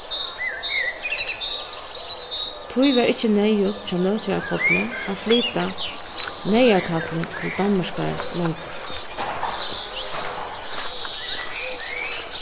tí var ikki neyðugt hjá nólsoyar pálli at flyta neyðarkallið til danmarkar longur